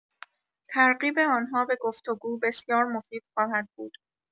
ترغیب آن‌ها به گفت‌وگو بسیار مفید خواهد بود.